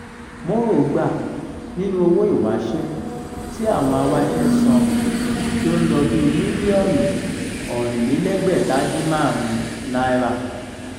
Moro gbà nínú owó ìwáṣẹ̀ tí àwọn awáṣẹ́ san tí ó ń lọ bíi mílíọ̀nù 675 náírà.